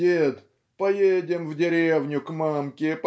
Дед, поедем в деревню к мамке